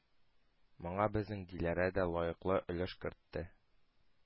Моңа безнең диләрә дә лаеклы өлеш кертте.